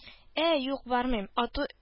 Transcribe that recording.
— ә, юк, бармыйм. ату